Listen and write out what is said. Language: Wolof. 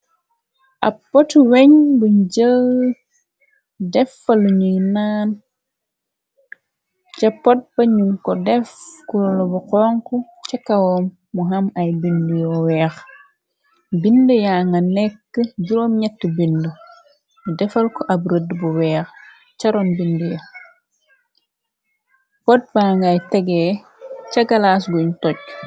Ab pot weñ, bu jël defalu ñuy naan, ca pot ba ñu ko def kulbu xonk, ca kawoom mu ham ay bind yo weex, bind yaa nga nekk juróom ñett bind, bu defal ko ab rëdd bu weex caroon bind ya, potba ngay tegee ca galaas guñ toj.